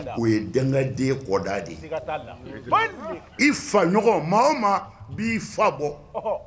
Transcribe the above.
O yeden kɔ i fa ma b'i fa bɔ